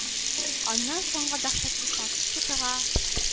Аннан соңгы дәһшәтле статистикага,